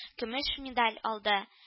Көмеш медаль алды